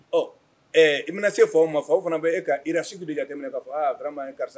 Ɔ ɛ i ma na se faw ma faw fana b'e ka hiérarchie de jateminɛ ka fɔ a Vraiment karisa